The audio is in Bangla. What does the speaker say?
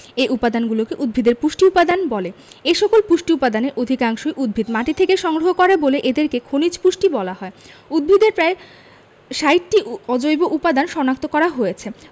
এ উপাদানগুলোকে উদ্ভিদের পুষ্টি উপাদান বলে এসকল পুষ্টি উপাদানের অধিকাংশই উদ্ভিদ মাটি থেকে সংগ্রহ করে বলে এদেরকে খনিজ পুষ্টি বলা হয় উদ্ভিদের প্রায় ৬০টি অজৈব উপাদান শনাক্ত করা হয়েছে